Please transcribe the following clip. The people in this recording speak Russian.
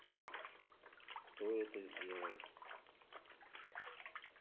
кто это сделал